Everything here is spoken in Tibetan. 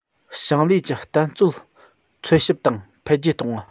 ཞིང ལས ཀྱི བརྟན སྩོལ འཚོལ ཞིབ དང འཕེལ རྒྱས གཏོང བ